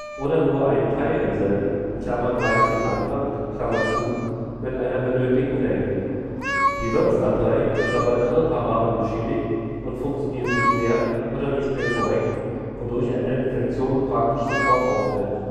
oder nur einen Teil derselben (meist den Anfang) mit einer benötigten Länge. Die Wirtsdatei wird dabei irreparabel beschädigt und funktioniert nicht mehr oder nicht mehr korrekt, wodurch eine Infektion praktisch sofort auffällt